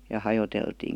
ja hajoteltiin